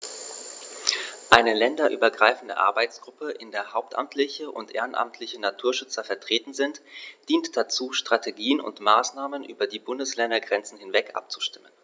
Eine länderübergreifende Arbeitsgruppe, in der hauptamtliche und ehrenamtliche Naturschützer vertreten sind, dient dazu, Strategien und Maßnahmen über die Bundesländergrenzen hinweg abzustimmen.